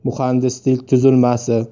muhandislik tuzilmasi